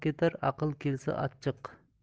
ketar aql kelsa achchiq